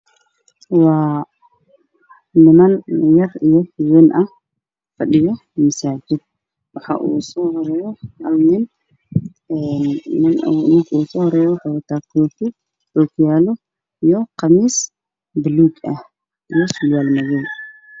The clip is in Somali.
Waa niman fadhiyo misaajid waxa ugu soo horeeyo hal nin ninka ugu soo horeeyo waxa uu wataa koofi ookiyaalo iyo khamiis baluug ah iyo surwaal madoow ah